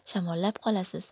shamollab qolasiz